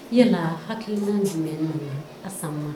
Yala hakiliki jumɛn a sama